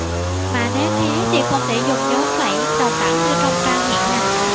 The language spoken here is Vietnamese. mà nếu thế thì không thể dùng dấu phẩy đồng đẳng như trong trang hiện hành